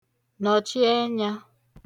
nọ̀chi ẹnyā